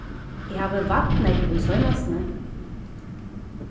eg havi vant nógv í seinastuni